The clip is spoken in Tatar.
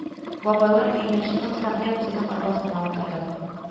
Бабайлар өеннән чыгып, Сәгъди абзыйның арбасына утырдым